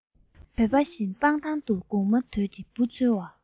བོད པ བཞིན སྤང ཐང དུ གུག མ དུད ཀྱིས འབུ འཚོལ བ